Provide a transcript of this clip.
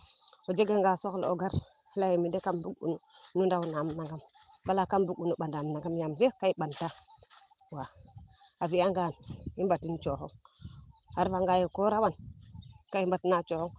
o jega nge soxla o gar leyee mi de kam bug nu ndaw naam namang wala kam bug u nu ɓanaan nangam yaam kay ka i ɓan taa wa a fiya ngaan i mbatin cooxong a refa nga ye ko rawan ka i mbat na coxong